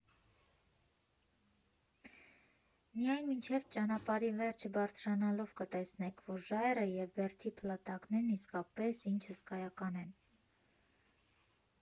Միայն մինչև ճանապարհի վերջը բարձրանալով՝ կտեսնեք, որ ժայռը և բերդի փլատակներն իսկապես ինչ հսկայական են։